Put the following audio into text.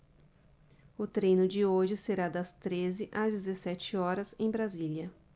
o treino de hoje será das treze às dezessete horas em brasília